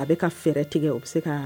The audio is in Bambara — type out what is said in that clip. A bɛ ka fɛɛrɛ tigɛ o bɛ se ka